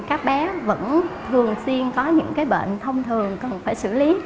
các bé vẫn thường xuyên có những cái bệnh thông thường cần phải xử lý